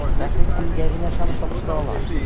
Фәхреддингә генә ышанып тапшыра ала.